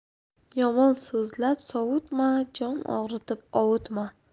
yomon so'zlab sovutma jon og'ritib ovutma